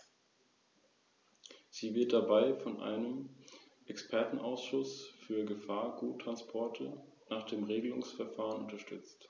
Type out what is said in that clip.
Aber ich glaube, dass wir alles unternehmen sollten, um den Transport gefährlicher Güter so gering wie möglich zu halten, und zwar in allen Ländern, ob Transitländer oder nicht.